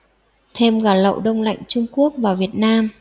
thêm gà lậu đông lạnh trung quốc vào việt nam